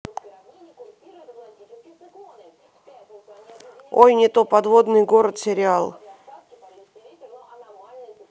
ой не то подводный город сериал